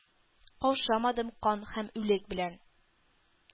Каушамадым кан һәм үлек белән